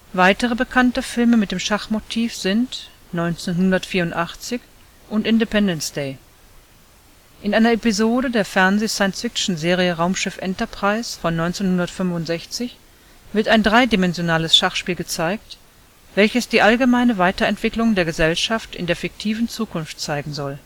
Weitere bekannte Filme mit dem Schachmotiv sind 1984 und Independence Day. In einer Episode der Fernseh-SciFi-Serie Raumschiff Enterprise von 1965 wird ein dreidimensionales Schachspiel gezeigt, welches die allgemeine Weiterentwicklung der Gesellschaft in der fiktiven Zukunft zeigen soll